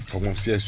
foog mu am siège